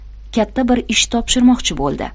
katta bir ish topshirmoqchi bo'ldi